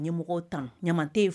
Ye mɔgɔw tan ɲamaman tɛ